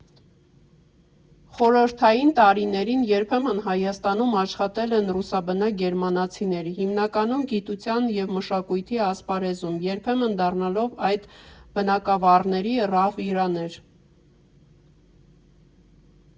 Խորհրդային տարիներին երբեմն Հայաստանում աշխատել են ռուսաբնակ գերմանացիներ, հիմնականում գիտության և մշակույթի ասպարեզում՝ երբեմն դառնալով այդ բնագավառների ռահվիրաներ։